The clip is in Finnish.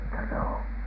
mutta ne on